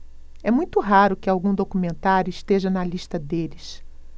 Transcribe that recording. é muito raro que algum documentário esteja na lista deles